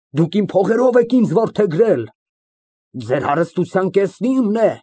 Դուք իմ փողերով եք ինձ որդեգրել։ Ձեր հարստության կեսն իմն է։